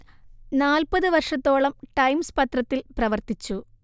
നാൽപ്പതു വർഷത്തോളം ടൈെംസ് പത്രത്തിൽ പ്രവർത്തിച്ചു